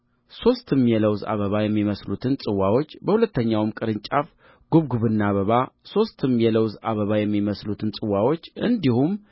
ሦስትም የለውዝ አበባ የሚመስሉትን ጽዋዎች በሁለተኛውም ቅርንጫፍ ጕብጕብና አበባ ሦስትም የለውዝ አበባ የሚመስሉትን ጽዋዎች እንዲሁም